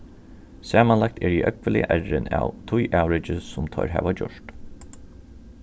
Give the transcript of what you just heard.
samanlagt eri eg ógvuliga errin av tí avriki sum teir hava gjørt